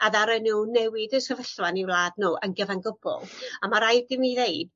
a ddaru n'w newid y sefyllfa yn 'u wlad n'w yn gyfan gwbwl a ma' raid i mi ddeud